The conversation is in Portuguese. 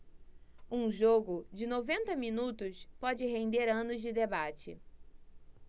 um jogo de noventa minutos pode render anos de debate